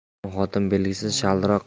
yomon xotin belgisi shaldiroq